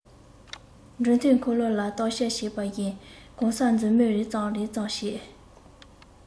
འདྲུད འཐེན འཁོར ལོ ལ བརྟག དཔྱད བྱེད པ བཞིན གང སར མཛུབ མོས རེག ཙམ རེག ཙམ བྱེད